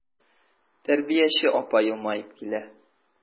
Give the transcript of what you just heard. Тәрбияче апа елмаеп килә.